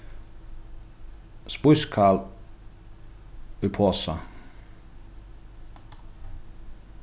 spískkál í posa